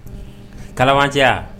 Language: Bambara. Kalama caya